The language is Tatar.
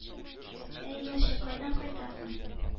— әй, юлчы, кайдан кайтасың?